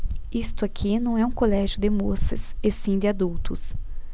isto aqui não é um colégio de moças e sim de adultos